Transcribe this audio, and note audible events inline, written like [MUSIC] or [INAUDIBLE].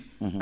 [HESITATION] [HESITATION]